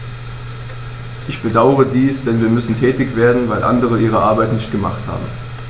Ich bedauere dies, denn wir müssen tätig werden, weil andere ihre Arbeit nicht gemacht haben.